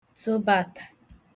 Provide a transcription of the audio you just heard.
tụbātā